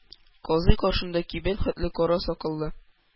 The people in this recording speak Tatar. Казый, каршында кибән хәтле кара сакаллы